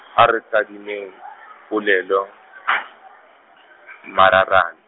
ha re tadimeng polelomararane.